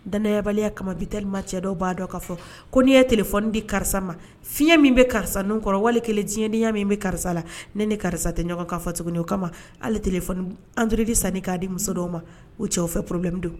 Danayabaliya kama bi tellement cɛ dɔw b'a dɔn k'a fɔ ko n'i ye téléphone di karisa ma fiɲɛ min bɛ karisa nun kɔrɔ wali kelen diɲɛdenya min bɛ karisa la ne ni karisa tɛ ɲɔgɔn kanfɔ tuguni o kama hali téléphone android sanni k'a di muso dɔw ma u cɛw fɛ problème don